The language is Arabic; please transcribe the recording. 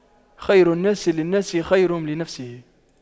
خير الناس للناس خيرهم لنفسه